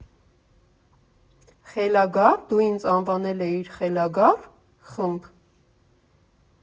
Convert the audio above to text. Խելագա՞ր, դու ինձ անվանել էիր խելագա՞ր ֊ խմբ.